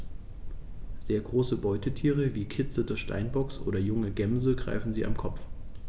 Sehr große Beutetiere wie Kitze des Steinbocks oder junge Gämsen greifen sie am Kopf.